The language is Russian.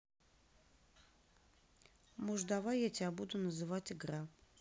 мож давай я тебя буду называть игра